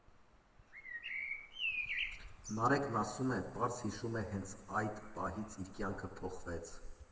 Նարեկն ասում է՝ պարզ հիշում է, հենց այդ այդ պահից իր կյանքը փոխվեց։